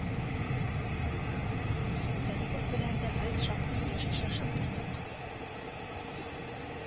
Зарипов белән дә без шактый еш очрашып тордык